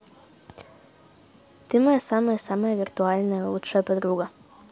ты мое самое самое виртуальная лучшая подруга